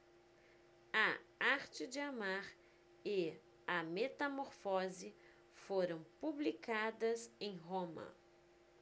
a arte de amar e a metamorfose foram publicadas em roma